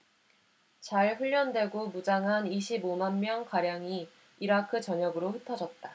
잘 훈련되고 무장한 이십 오 만 명가량이 이라크 전역으로 흩어졌다